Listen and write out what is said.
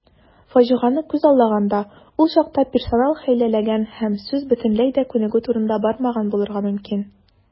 Фаҗигане күзаллаганда, ул чакта персонал хәйләләгән һәм сүз бөтенләй дә күнегү турында бармаган булырга мөмкин.